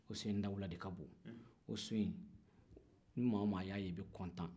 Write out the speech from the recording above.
o so in dawula de ka bon o so in ni maa o maa y'a ye i bɛ nisɔndiya